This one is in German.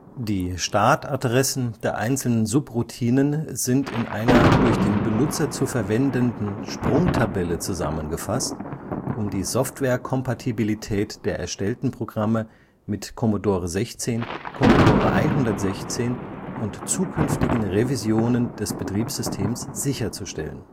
Die Startadressen der einzelnen Subroutinen sind in einer durch den Benutzer zu verwendenden Sprungtabelle zusammengefasst, um die Softwarekompatibilität der erstellten Programme mit Commodore 16, Commodore 116 und zukünftigen Revisionen des Betriebssystems sicherzustellen